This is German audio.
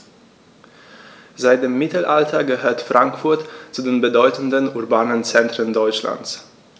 Seit dem Mittelalter gehört Frankfurt zu den bedeutenden urbanen Zentren Deutschlands.